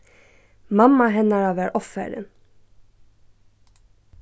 mamma hennara var ovfarin